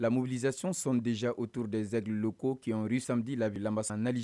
Lawuv2zc2 deze oourdzeali ko kiy ri2di labilamansaliz